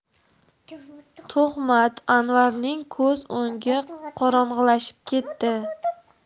tuhmat anvarning ko'z o'ngi qorong'ilashib ketdi